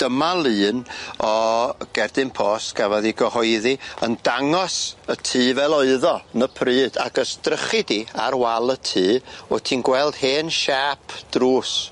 Dyma lun o gerdyn post gafodd 'i gyhoeddi yn dangos y tŷ fel oedd o yn y pryd ac ys drychi di ar wal y tŷ wt ti'n gweld hen siâp drws.